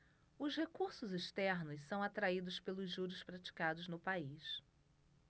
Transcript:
os recursos externos são atraídos pelos juros praticados no país